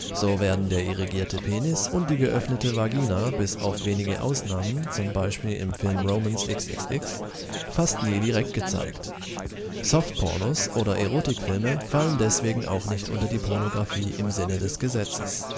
So werden der erigierte Penis und die geöffnete Vagina (bis auf ganz wenige Ausnahmen, z. B. im Film Romance XXX) fast nie direkt gezeigt. „ Softpornos “oder Erotikfilme fallen deswegen auch nicht unter die Pornografie im Sinne des Gesetzes